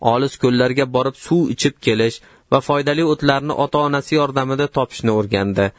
olis ko'llarga borib suv ichib kelish va foydali o'tlarni ota onasi yordamida topishni o'rgandi